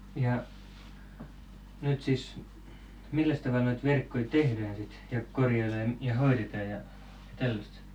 ja nyt siis milläs tavalla noita verkkoja tehdään sitten ja korjaillaan ja hoidetaan ja tällaista